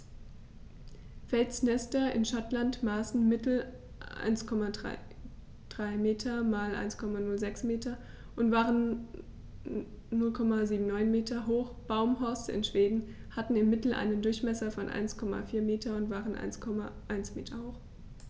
Felsnester in Schottland maßen im Mittel 1,33 m x 1,06 m und waren 0,79 m hoch, Baumhorste in Schweden hatten im Mittel einen Durchmesser von 1,4 m und waren 1,1 m hoch.